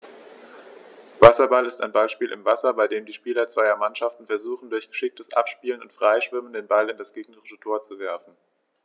Wasserball ist ein Ballspiel im Wasser, bei dem die Spieler zweier Mannschaften versuchen, durch geschicktes Abspielen und Freischwimmen den Ball in das gegnerische Tor zu werfen.